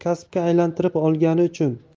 kasbga aylantirib olgani uchun